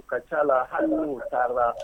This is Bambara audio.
U ka ca la hali n'u taara.